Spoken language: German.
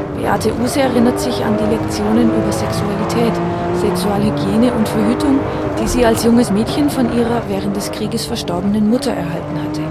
Beate Uhse erinnert sich an die Lektionen über Sexualität, Sexualhygiene und Verhütung, die sie als junges Mädchen von ihrer während des Krieges verstorbenen Mutter erhalten hatte